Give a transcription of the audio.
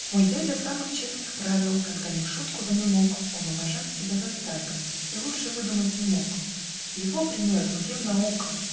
"Мой дядя самых честных правил, Когда не в шутку занемог, Он уважать себя заставил И лучше выдумать не мог. Его пример другим наука